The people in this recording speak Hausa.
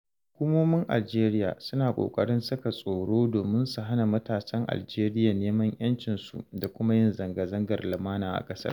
Hukumomin Algeria suna ƙoƙarin saka tsoro domin su hana matasan Algeria neman 'yancinsu da kuma yin zangazangar lumana a ƙasar.